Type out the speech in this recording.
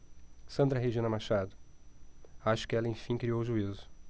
sandra regina machado acho que ela enfim criou juízo